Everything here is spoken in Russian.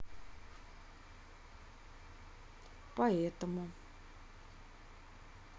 поэтому